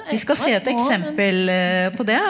vi skal se et eksempel på det.